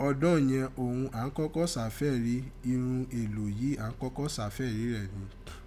Ọdọ́n yẹ̀n òghun án kọ́kọ́ sàfẹ́rí irun èlò yìí án kọ́kọ́ sàfẹ́rí rẹ̀ rin.